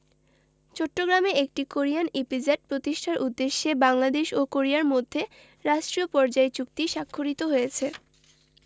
চট্টগ্রামে একটি Korean EPZ প্রতিষ্ঠার উদ্দেশ্যে বাংলাদেশ ও কোরিয়ার মধ্যে রাষ্ট্রীয় পর্যায়ে চুক্তি স্বাক্ষরিত হয়েছে